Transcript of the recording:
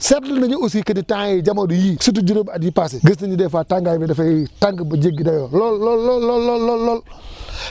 seetlu nañu aussi que ni temps yii jamono yii surtout juróomi at yii passée gis nañ ni des fois tàngaay bi dafay tàng ba jéggi dayoo lool lool lool lool lool